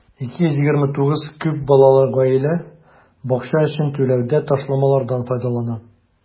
229 күп балалы гаилә бакча өчен түләүдә ташламалардан файдалана.